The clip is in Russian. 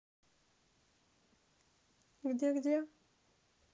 где где